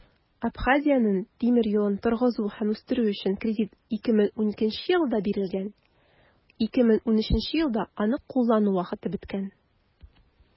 Абхазиянең тимер юлын торгызу һәм үстерү өчен кредит 2012 елда бирелгән, 2013 елда аны куллану вакыты беткән.